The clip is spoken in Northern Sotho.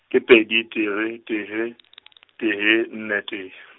ke pedi tee, tee, tee, nne, tee .